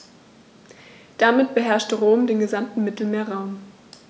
Damit beherrschte Rom den gesamten Mittelmeerraum.